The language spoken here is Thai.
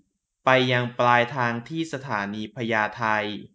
ไปยังปลายทางที่สถานีพญาไท